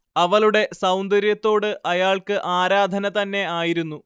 അവളുടെ സൗന്ദര്യത്തോട് അയാൾക്ക് ആരാധന തന്നെ ആയിരുന്നു